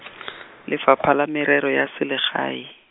Lefapha la Merero ya Selegae.